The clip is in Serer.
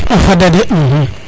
a fada de